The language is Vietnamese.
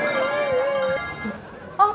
hư ư ư ư ư ơ